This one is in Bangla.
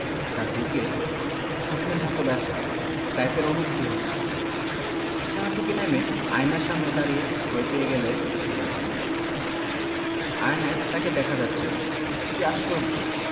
তাঁর বুকে সুখের মতো ব্যথা টাইপের অনুভূতি হচ্ছে বিছানা থেকে নেমে আয়নার সামনে দাঁড়িয়ে ভয় পেয়ে গেলেন তিনি আয়নায় তাঁকে দেখা যাচ্ছে না কী আশ্চর্য